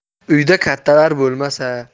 uyda kattalar bo'lmasa